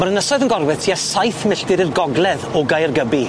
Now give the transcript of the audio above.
Ma'r Ynysodd yn gorwedd tua saith milltir i'r gogledd o Gaergybi.